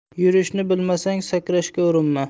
yurishni bilmasang sakrashga urinma